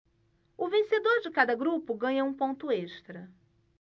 o vencedor de cada grupo ganha um ponto extra